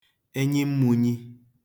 enyi mmūnyī